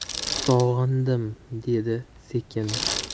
sog'indim dedi sekin